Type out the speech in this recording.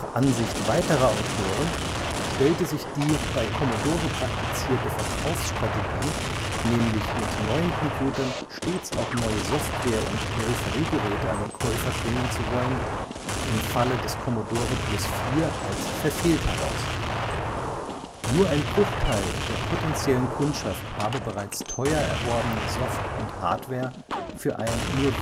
Ansicht weiterer Autoren stellte sich die bei Commodore praktizierte Verkaufsstrategie, nämlich mit neuen Computern stets auch neue Software und Peripheriegeräte an den Käufer bringen zu wollen, im Falle des Commodore Plus/4 als verfehlt heraus – nur ein Bruchteil der potentiellen Kundschaft habe bereits teuer erworbene Soft - und Hardware für ein nur